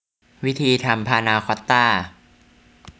วิธีทำพานาคอตต้า